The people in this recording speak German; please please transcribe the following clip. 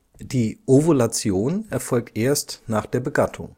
Die Ovulation erfolgt erst nach der Begattung